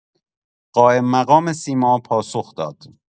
قائم‌مقام سیما پاسخ داد